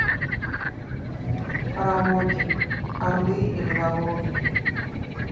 караоке орлы или вороны